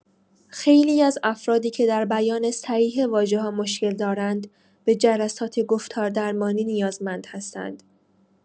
خیلی از افرادی که دربیان صحیح واژه‌ها مشکل دارند، به جلسات گفتاردرمانی نیازمند هستند.